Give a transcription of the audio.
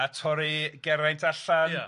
A torri Geraint allan? Ia.